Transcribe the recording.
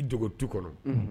I bɛ dogo tu kɔnɔ